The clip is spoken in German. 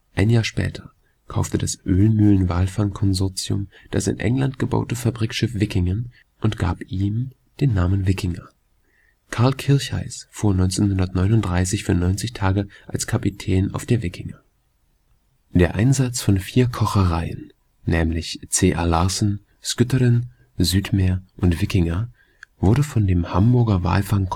Ein Jahr später kaufte das „ Ölmühlen Walfang Konsortium “das in England gebaute Fabrikschiff Vikingen und gab ihm den Namen Wikinger. Carl Kircheiss fuhr 1939 für 90 Tage als Kapitän auf der Wikinger. Der Einsatz von vier Kochereien, nämlich C.A. Larsen, Skytteren, Südmeer und Wikinger, wurde von dem „ Hamburger Walfang-Kontor